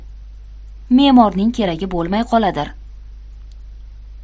me'morning keragi bo'lmay qoladir